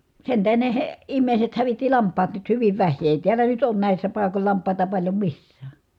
sen tähden ne - ihmiset hävitti lampaat nyt hyvin vähiin ei täällä nyt ole näissä paikoilla lampaita paljon missään